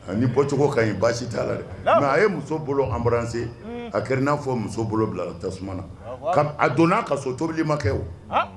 A ni bɔcogo kaɲi basi t'ala dɛ. Naamu. mais a ye muso bolo embrasser . Un. A kɛra i n'a fɔ muso bolo bilala tasuma na. Allahou Akbarou . A donna a ka so, tobili ma kɛ o. Han.